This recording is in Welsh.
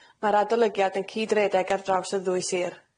ma'r adolygiad yn cydredeg ar draws y ddwy sir.